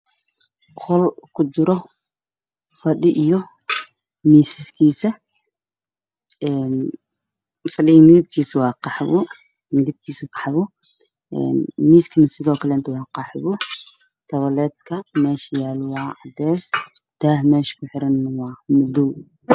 Waa qol waxaa kujiro fadhi iyo miiskiisa oo qaxwi ah , fadhiguna waa qaxwi, tawleedka waa cadeys, daaha waa madow.